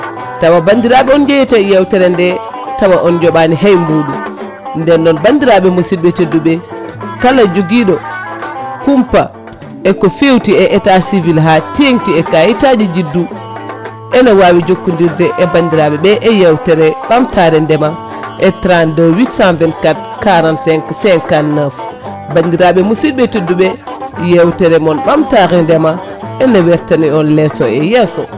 tawa bandiraɓe on jeyete e yewtere nde tawa on joɓani hay ɓuuɗu nden noon bandiraɓe musidɓe tedduɓe kala joguiɗo kumpa eko fewti e état civil ha tengti e kayitaji juddu ene wawi jokkodirde e bandiraɓe e yewtere ɓamtare ndeema e 32 824 45 59 bandiraɓe musidɓe tedduɓe yewtere moon ɓamtare ndeema ene wertani on leeso e yesso